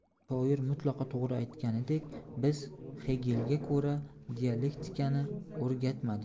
shoir mutlaqo to'g'ri aytganidek biz hegelga ko'ra dialektikani o'rgatmadik